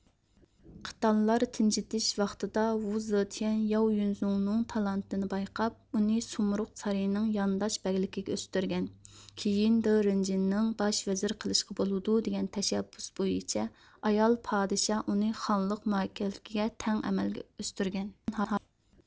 قىتانلار تىنجىتىش ۋاقتىدا ۋۇ زېتيەن ياۋ يۈنزۇڭنىڭ تالانتىنى بايقاپ ئۇنى سۇمرۇغ سارىيىنىڭ يانداش بەگلىكىگە ئۆستۈرگەن كېيىن دېرېنجىنىڭ باش ۋەزىر قىلىشقا بولىدۇ دېگەن تەشەببۇس بويىچە ئايال پادىشاھ ئۇنى خانلىق مۇئەككىلىگە تەڭ ئەمەلگە ئۆستۈرگەن